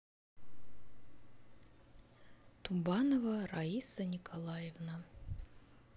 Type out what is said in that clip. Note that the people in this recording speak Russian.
тубанова раиса николаевна